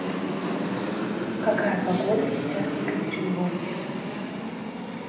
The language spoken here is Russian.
какая погода сейчас в екатеринбурге